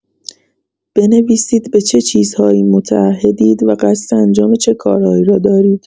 بنویسید به چه چیزهایی متعهدید و قصد انجام چه کارهایی را دارید.